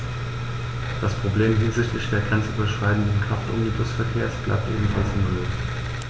Das Problem hinsichtlich des grenzüberschreitenden Kraftomnibusverkehrs bleibt ebenfalls ungelöst.